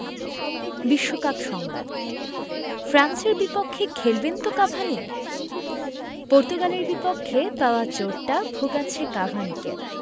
বিশ্বকাপ সংবাদ ফ্রান্সের বিপক্ষে খেলবেন তো কাভানি পর্তুগালের বিপক্ষে পাওয়া চোটটা ভোগাচ্ছে কাভানিকে